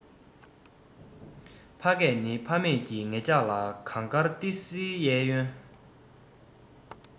ཕ སྐད ནི ཕ མེས ཀྱིས ངེད ཅག ལ གངས དཀར ཏི སིའི གཡས གཡོན